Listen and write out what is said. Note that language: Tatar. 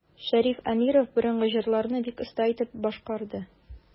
Шәриф Әмиров борынгы җырларны бик оста итеп башкарды.